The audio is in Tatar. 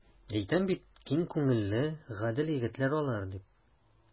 Әйтәм бит, киң күңелле, гадел егетләр алар, дип.